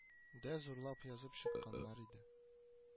Дә зурлап язып чыкканнар иде